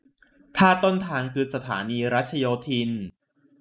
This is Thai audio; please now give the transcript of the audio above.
ถ้าสถานีต้นทางคือสถานีรัชโยธิน